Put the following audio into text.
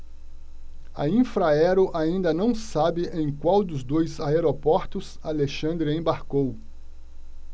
a infraero ainda não sabe em qual dos dois aeroportos alexandre embarcou